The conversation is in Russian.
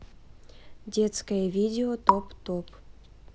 детское видео топ топ